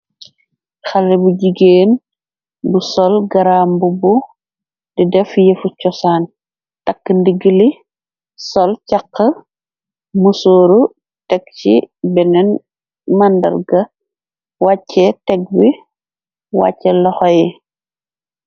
Xale bu jigeen bu sol garamb bu di def yeefu cosaan takk ndiggili sol caxx musooru teg ci beneen màndar ga wàccee teg wi wàcce laxoyi.